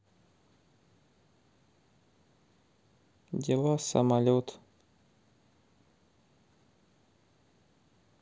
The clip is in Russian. дела самолет